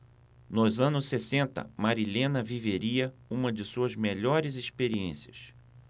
nos anos sessenta marilena viveria uma de suas melhores experiências